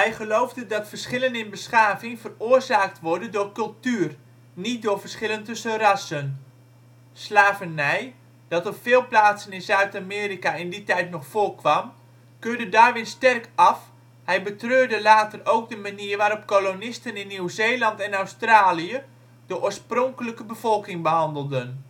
geloofde dat verschillen in beschaving veroorzaakt worden door cultuur, niet door verschillen tussen rassen. Slavernij, dat op veel plaatsen in Zuid-Amerika in die tijd nog voorkwam, keurde Darwin sterk af; hij betreurde later ook de manier waarop kolonisten in Nieuw-Zeeland en Australië de oorspronkelijke bevolking behandelden